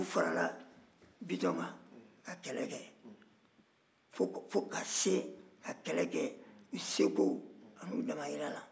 u faala bitɔn kan ka kɛlɛ kɛ ka kɛlɛ kɛ u seko damajira la